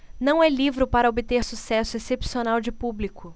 não é livro para obter sucesso excepcional de público